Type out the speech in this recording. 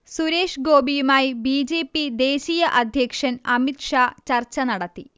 സുരേഷ് ഗോപിയുമായി B. J. P ദേശീയഅധ്യക്ഷൻ അമിത്ഷാ ചർച്ച നടത്തി